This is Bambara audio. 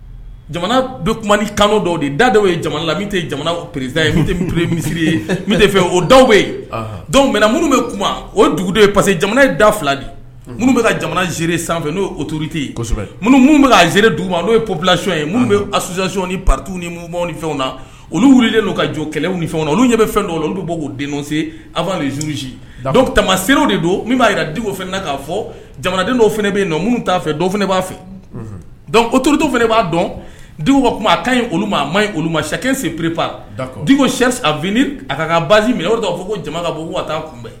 Jamana bɛ kuma kanu dɔw de da dɔw ye jamana la jamana peresi ye misisiri ye fɛ o bɛ yen mɛ bɛ kuma o dugudo ye parce que jamana ye da fila de minnu bɛ ka jamana ze sanfɛ n'o otourute yen bɛ a zeere duguba n'o ye pbisiyɔn ye minnu bɛzc pati ni ni fɛnw na olu wili' ka jo jɔ kɛlɛ ni fɛnw olu ɲɛ bɛ fɛn dɔw olu bɔ'o densen an zurusi tama seerew de don min b'a jira o fana na' fɔ jamanaden dɔw fana bɛ yen minnu'a fɛ dɔw fana b'a fɛ dɔnku o toro fana b'a dɔn kuma a taa olu ma a ma olu ma sa sen perepko a a ka basi minɛ o b'a fɔ ko jama bɔ taa kunbɛn